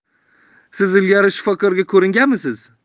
siz ilgari shifokorga ko'ringanmisiz